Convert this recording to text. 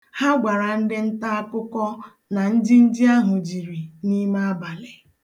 Ha gwara ndị ntaakụkọ na njinji ahụ jiri n'ime abalị.